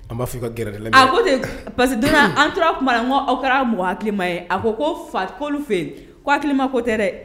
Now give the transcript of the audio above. An b'a fɔ ka gɛrɛ la a parce que donna an tora tuma ko aw kɛra mɔgɔ hakilima ye a ko ko fa ko fɛ yen ko ha hakili ma ko tɛ dɛ